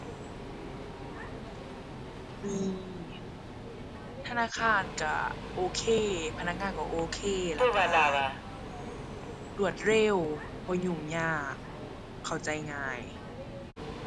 ดี ธนาคารก็โอเค พนักงานก็โอเค แล้วก็รวดเร็ว บ่ยุ่งยาก เข้าใจง่าย